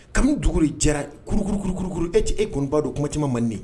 Kabinimi dugu de jɛra kuruurkulukulue tɛ e kɔnibaa don kuma camanma manden